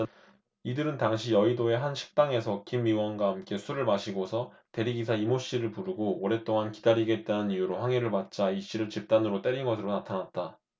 이들은 당시 여의도의 한 식당에서 김 의원과 함께 술을 마시고서 대리기사 이모씨를 부르고 오랫동안 기다리게 했다는 이유로 항의를 받자 이씨를 집단으로 때린 것으로 나타났다